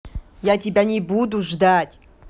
я тебя не буду ждать